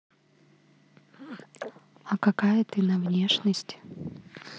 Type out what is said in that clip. а какая ты на внешность